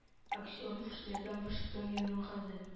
Аксенов эшләгән вашингтон янынгады